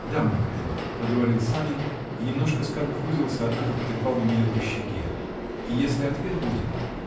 -- Да, мой дружок, -- проговорил Санин и немножко сконфузился, однако потрепал Эмиля по щеке. -- И если ответ будет.